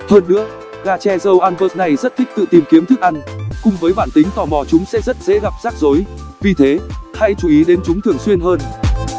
hơn nữa gà tre râu d'anvers này rất thích tự tìm kiếm thức ăn cùng với bản tính tò mò chúng sẽ rất dễ gặp rắc rối vì thế hãy chú ý đến chúng thường xuyên hơn